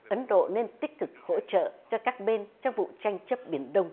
ấn độ nên tích cực hỗ trợ cho các bên trong vụ tranh chấp biển đông